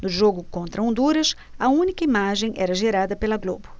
no jogo contra honduras a única imagem era gerada pela globo